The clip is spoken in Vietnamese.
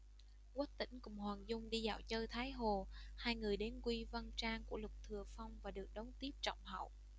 quách tĩnh cùng hoàng dung đi dạo chơi thái hồ hai người đến quy vân trang của lục thừa phong và được đón tiếp trọng hậu